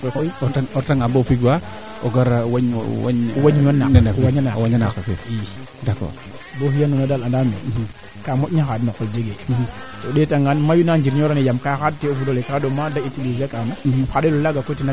xana ngolir kaga damu koy manaam duufe leene na matraa ku colna teen areer a matra nga kaa doxraa kaa doxraa soo o fiya ngan neede mbarna maakit makit kiran ma parce que keede mbarna ñoowit wala naxik ke de mbarna ñowit